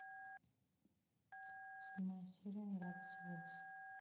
седьмая серия гравити фолз